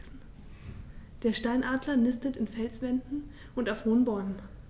Der Steinadler nistet in Felswänden und auf hohen Bäumen.